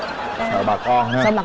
sợ bà con ha